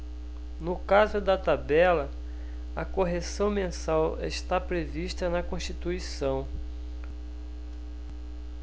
no caso da tabela a correção mensal está prevista na constituição